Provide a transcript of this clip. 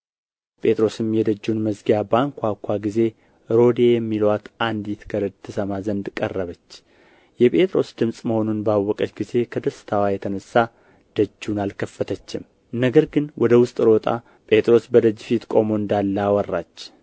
ጴጥሮስም የደጁን መዝጊያ ባንኳኳ ጊዜ ሮዴ የሚሉአት አንዲት ገረድ ትሰማ ዘንድ ቀረበች የጴጥሮስ ድምፅ መሆኑንም ባወቀች ጊዜ ከደስታዋ የተነሣ ደጁን አልከፈተችም ነገር ግን ወደ ውስጥ ሮጣ ጴጥሮስ በደጅ ፊት ቆሞ እንዳለ አወራች